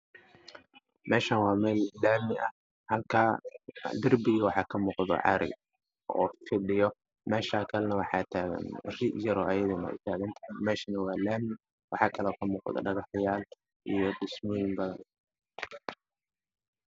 Meshan waxaa ka baxaayo geedo cagaaran oo dhaa dheer